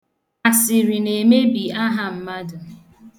Asịrị na-emebi aha mmadụ.